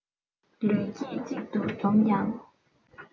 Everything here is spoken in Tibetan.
ལས ཀྱིས གཅིག ཏུ འཛོམས ཀྱང